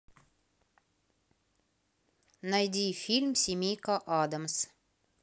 найди фильм семейка аддамс